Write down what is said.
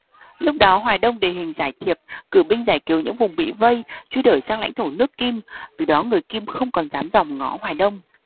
lúc đó hoài đông đề hình giả thiệp cử binh giải cứu những vùng bị vây truy đuổi sang lãnh thổ nước kim từ đó người kim không còn dám dòm ngó hoài đông